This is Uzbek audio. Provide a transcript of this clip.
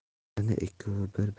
ana ikkovi bir